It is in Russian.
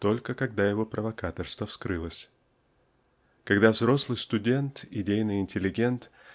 только когда его провокаторство вскрылось. Когда взрослый студент идейный интеллигент